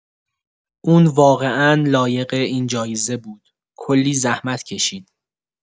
اون واقعا لایق این جایزه بود، کلی زحمت کشید.